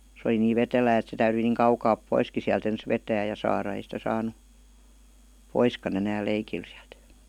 se oli niin vetelää että se täytyi niin kaukaa poiskin sieltä ensin vetää ja saada ei sitä saanut poiskaan enää leikillä sieltä